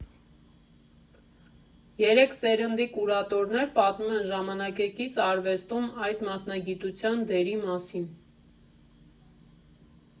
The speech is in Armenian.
Երեք սերնդի կուրատորներ պատմում են Ժամանակակից արվեստում այդ մասնագիտության դերի մասին։